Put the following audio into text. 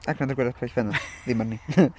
A gwrando ar Gerallt Pennant... ... Ddim ar ni.